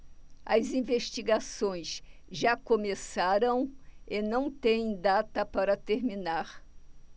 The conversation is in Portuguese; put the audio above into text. as investigações já começaram e não têm data para terminar